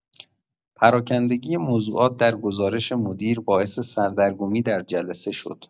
پراکنده‌گی موضوعات در گزارش مدیر باعث سردرگمی در جلسه شد.